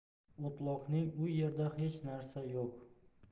o'tloqning u yerda xech narsa yo'q